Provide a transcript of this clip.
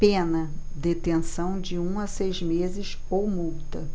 pena detenção de um a seis meses ou multa